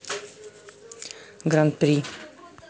гран при